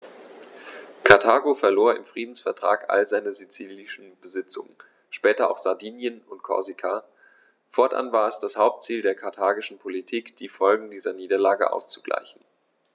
Karthago verlor im Friedensvertrag alle seine sizilischen Besitzungen (später auch Sardinien und Korsika); fortan war es das Hauptziel der karthagischen Politik, die Folgen dieser Niederlage auszugleichen.